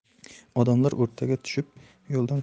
odamlar o'rtaga tushib yo'ldan